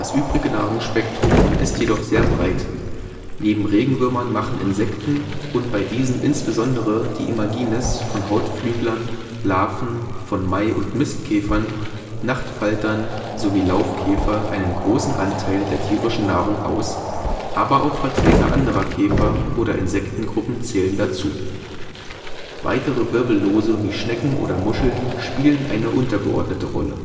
übrige Nahrungsspektrum ist jedoch sehr breit. Neben Regenwürmern machen Insekten und bei diesen insbesondere die Imagines von Hautflüglern, Larven von Mai - und Mistkäfern, Nachtfaltern sowie Laufkäfer einen großen Anteil der tierischen Nahrung aus, aber auch Vertreter anderer Käfer - oder Insektengruppen zählen dazu. Weitere Wirbellose wie Schnecken oder Muscheln spielen eine untergeordnete Rolle